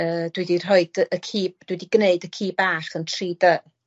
yy dwi 'di rhoid yy y ci, dwi 'di gneud y ci bach yn tri dy.